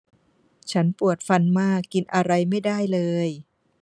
ฉันปวดฟันมากกินอะไรไม่ได้เลย